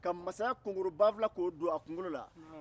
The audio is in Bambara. kan mansaya konkoro bafugula don a kun na